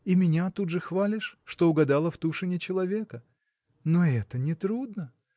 И меня тут же хвалишь, что угадала в Тушине человека! Но это нетрудно!